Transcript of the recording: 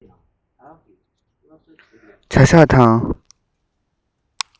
བྱ བཞག དང